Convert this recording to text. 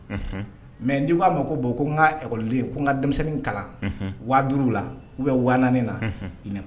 Mɛ n'i'a ma ko bon ko n kalen ko n ka denmisɛnnin kala waga waduw la u bɛ wanen na